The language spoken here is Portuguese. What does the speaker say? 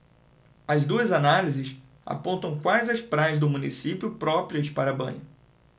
as duas análises apontam quais as praias do município próprias para banho